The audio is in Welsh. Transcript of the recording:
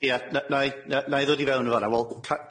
Ia na- nai na- nai ddod i fewn yn fan'na wel ca-